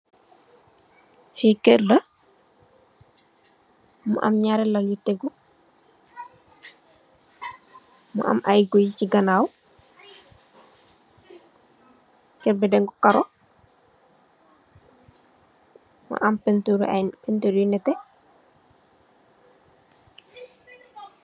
Fii kerr la, mu am njaari lal yu tehgu, mu am aiiy guiy chi ganaw, kerr bii denkor kaaroh, mu am peinturi aiiy peintur yu nehteh.